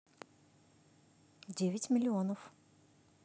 девять миллионов